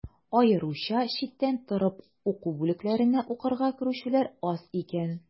Аеруча читтән торып уку бүлекләренә укырга керүчеләр аз икән.